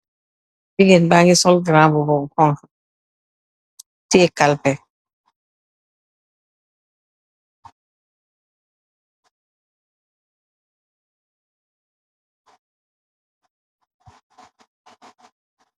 Jegain bage sol garamuba bu hauha teyeh kalpeh.